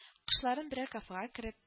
Кышларын берәр кафега кереп